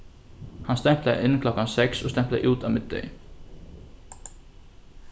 hann stemplaði inn klokkan seks og stemplaði út á middegi